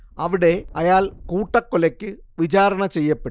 അവിടെ അയാൾ കൂട്ടക്കൊലയ്ക്ക് വിചാരണ ചെയ്യപ്പെട്ടു